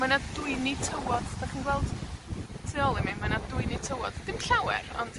Mae 'na dwyni tywod, 'dach chi'n gweld tu ôl i mi. Mae 'na dwyni tywod. Dim llawer, ond